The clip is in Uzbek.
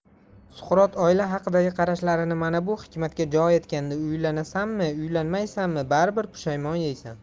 suqrot oila haqidagi qarashlarini mana bu hikmatga jo etgandi uylanasanmi uylanmaysanmi baribir pushaymon yeysan